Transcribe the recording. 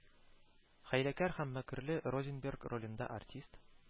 Хәй ләкәр һәм мәкерле розенберг ролендә артист